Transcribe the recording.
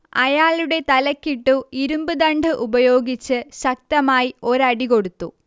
അയാളുടെ തലക്കിട്ടു ഇരുമ്പ്ദണ്ഡ് ഉപയോഗിച്ച് ശക്തമായി ഒരടി കൊടുത്തു